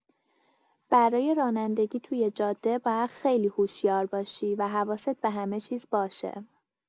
برای رانندگی توی جاده باید خیلی هوشیار باشی و حواست به همه‌چیز باشه.